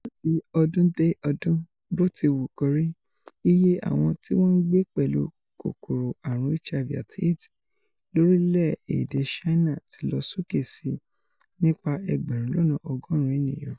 Láti ọdún-dé-ọdún, botiwukori, iye àwọn tíwọn ńgbé pẹ̀lú kòkòrò ààrùn HIV àti Aids lorílẹ̀-èdè Ṣáínà ti lọ sókè síi nípa ẹgbẹ̀rún lọ́nà ọgọ́ọ̀rún ènìyàn.